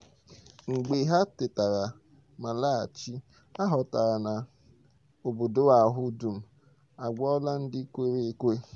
Mgbe ha tetara ma laghachi, ha ghọtara na obodo ahụ dum aghọọla ndị kwere ekwe.